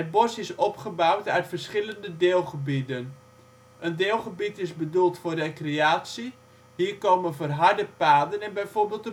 bos is opgebouwd uit verschillende deelgebieden. Een deelgebied is bedoeld voor recreatie: hier komen verharde paden en bijvoorbeeld